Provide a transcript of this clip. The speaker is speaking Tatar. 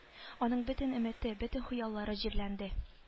Аның бөтен өмете бөтен хыяллары җирләнде